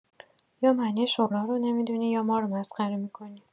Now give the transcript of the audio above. یا معنی شورا رو نمی‌دونی یا ما رو مسخره می‌کنی